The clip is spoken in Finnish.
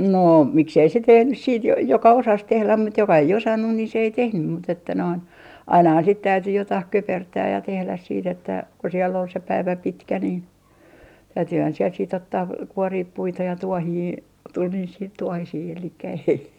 no miksi ei se tehnyt sitten - joka osasi tehdä mutta joka ei osannut niin se ei tehnyt mutta että noin ainahan sitten täytyi jotakin köpertää ja tehdä sitten että kun siellä oli se päivä pitkä niin täytyihän siellä sitten ottaa kuoria puita ja tuohia tuli niissä sitten tuohisia eli ei